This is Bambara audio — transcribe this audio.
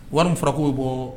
Wari mun fɔra ko bɛ bɔ